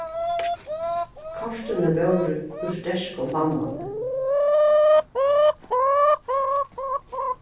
kortini vóru úr sterkum vaðmali